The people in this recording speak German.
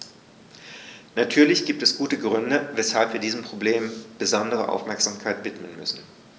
Natürlich gibt es gute Gründe, weshalb wir diesem Problem besondere Aufmerksamkeit widmen müssen.